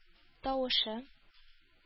Тавышы